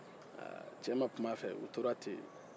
aaa cɛ ma kum'a fɛ u tora ten